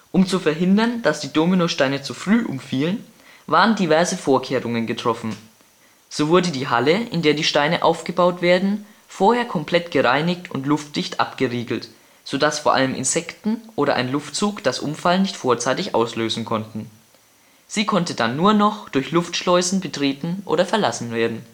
Um zu verhindern, dass die Dominosteine zu früh umfielen, waren diverse Vorkehrungen getroffen. So wurde die Halle, in der die Steine aufgebaut werden, vorher komplett gereinigt und luftdicht abgeriegelt, so dass vor allem Insekten oder ein Luftzug das Umfallen nicht vorzeitig auslösen konnten. Sie konnte dann nur durch Luftschleusen betreten oder verlassen werden